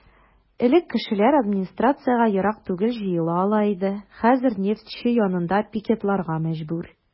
Элек кешеләр администрациягә ерак түгел җыела ала иде, хәзер "Нефтьче" янында пикетларга мәҗбүр.